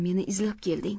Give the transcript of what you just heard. meni izlab kelding